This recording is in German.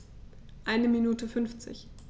Eine Minute 50